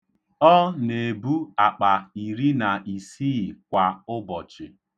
Ọ na-ebu akpa iri na isii kwa ụbọchị.